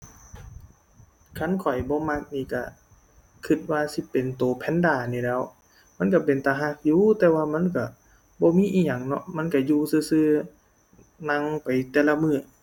คันข้อยบ่มักนี่ก็ ก็ว่าสิเป็นก็แพนดานี่แหล้ว มันก็เป็นตาก็อยู่ แต่ว่ามันก็บ่มีอิหยังเนาะ มันก็อยู่ซื่อซื่อ นั่งไปแต่ละมื้อ